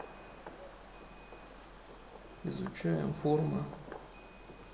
изучаем формы